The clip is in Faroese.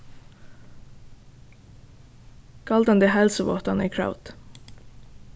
galdandi heilsuváttan er kravd